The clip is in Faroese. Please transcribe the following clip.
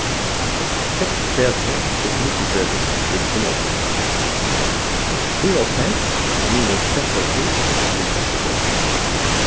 seksogtretivu pluss níggjuogtretivu er ligvið fimmoghálvfjerðs fýraoghálvfems minus seksoghálvtrýss er ligvið áttaogtretivu